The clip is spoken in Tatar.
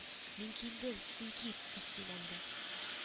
— мин килдем, син кит, — дип сөйләнде